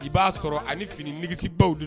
I ba sɔrɔ a fini nigisibaw